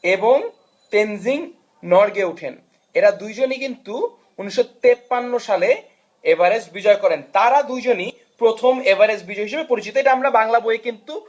এবং তেনজিং নরগে উঠেন এরা দু'জনই কিন্তু 1953 সালে এভারেস্ট বিজয় করেন তারা দুজনই প্রথম এভারেস্ট বিজয়ী হিসেবে পরিচিত এটা আমরা বাংলা বই কিন্তু